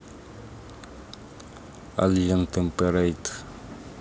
alien темперейт